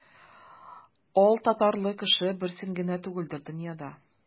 Алтатарлы кеше бер син генә түгелдер дөньяда.